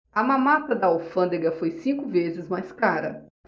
a mamata da alfândega foi cinco vezes mais cara